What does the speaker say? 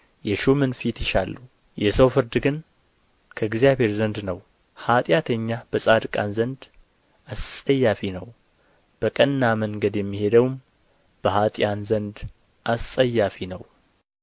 የሹምን ፊት ይሻሉ የሰው ፍርድ ግን ከእግዚአብሔር ዘንድ ነው ኃጢአተኛ በጻድቃን ዘንድ አስጸያፊ ነው በቀና መንገድ የሚሄደውም በኀጥኣን ዘንድ አስጸያፊ ነው